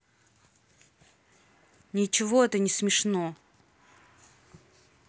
ничего это не смешно